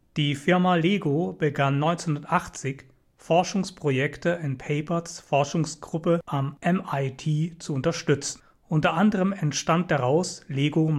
Die Firma LEGO begann 1980, Forschungsprojekte in Paperts Forschungsgruppe am MIT zu unterstützen. Unter anderem entstand daraus Lego